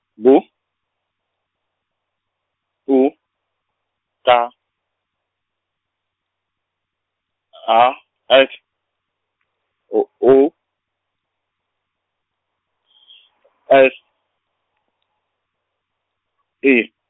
B U K H O O S I.